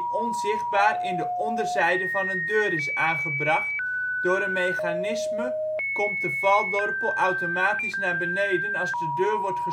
onzichtbaar in de onderzijde van een deur is aangebracht, door een mechanisme komt de valdorpel automatisch naar beneden als de deur wordt